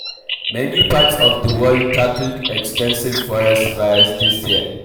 Many parts of the world tackled extensive forest fires this year.